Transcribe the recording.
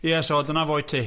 Ie, so dyna fo' ti.